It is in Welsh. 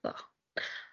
So.